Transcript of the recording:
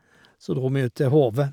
Så dro vi ut til Hove.